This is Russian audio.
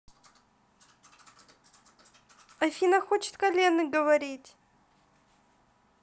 афина хочет коленный говорить